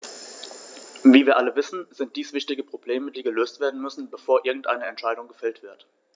Wie wir alle wissen, sind dies wichtige Probleme, die gelöst werden müssen, bevor irgendeine Entscheidung gefällt wird.